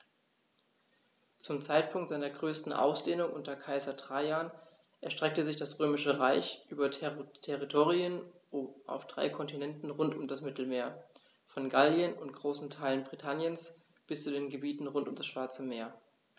Zum Zeitpunkt seiner größten Ausdehnung unter Kaiser Trajan erstreckte sich das Römische Reich über Territorien auf drei Kontinenten rund um das Mittelmeer: Von Gallien und großen Teilen Britanniens bis zu den Gebieten rund um das Schwarze Meer.